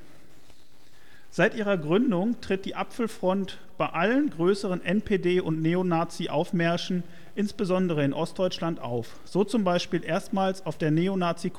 Seit ihrer Gründung tritt die Apfelfront bei allen größeren NPD - und Neonazi-Aufmärschen insbesondere in Ostdeutschland auf, so z.B. erstmals auf der Neonazi-Kundgebung